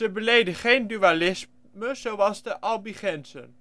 beleden geen dualisme zoals de albigenzen